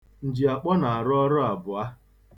Njìàkpọ na-arụ arụ abụọ.